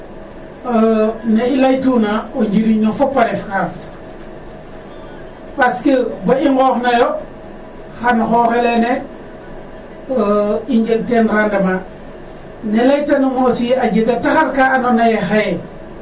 Ne i laytuna o njiriñ no fop a ref ka parce que bo i nqooxnayo xan o xooxe lene i njeg ten rendement ne laytanuma aussi a jega taxar ka andoona ye xaye